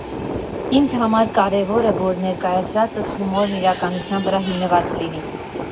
Ինձ համար կարևորը, որ ներկայացրածս հումորն իրականության վրա հիմնված լինի։